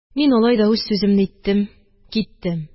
Мин алай да үз сүземне иттем, киттем.